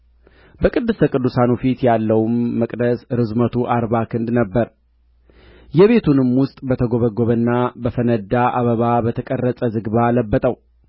በቅድስተ ቅዱሳኑ ፊት ያለውም መቅደስ ርዝመቱ አርባ ክንድ ነበረ የቤቱንም ውስጥ በተጐበጐበና በፈነዳ አበባ በተቀረጸ ዝግባ ለበጠው